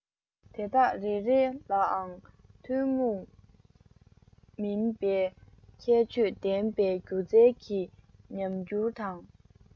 དེ དག རེ རེ ལའང ཐུན མོང མིན པའི ཁྱད ཆོས ལྡན པའི སྒྱུ རྩལ གྱི ཉམས འགྱུར དང